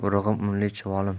urug'im unli chuvolim